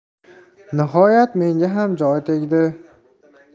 nihoyat menga ham joy tegdi